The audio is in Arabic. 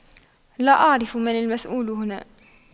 لا أعرف من المسؤول هنا